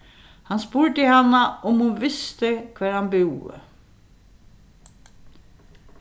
hann spurdi hana um hon visti hvar hann búði